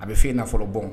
A bɛ f na nafolo bɔ